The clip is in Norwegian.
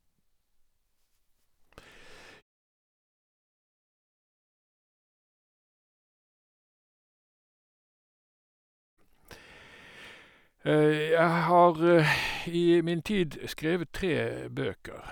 Jeg har i min tid skrevet tre bøker.